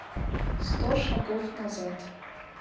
сто шагов назад